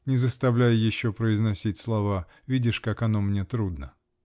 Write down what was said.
не заставляй еще произносить слова. Видишь, как оно мне трудно".